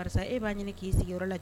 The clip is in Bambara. Karisa e b'a ɲini k'i sigiyɔrɔ yɔrɔ lajɛ